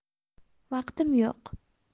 vaqtim yo'q